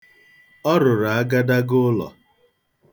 Ọ rụrụ agadaga ụlọ.